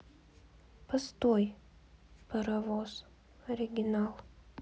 постой паровоз оригинал